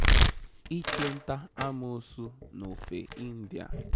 Ịchụnta amoosu n'ofe India.